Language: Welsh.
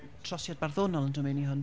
trosiad barddonol yn dod mewn i hwn?